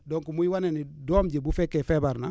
donc muy wane ne doom ji bu fekkee feebar na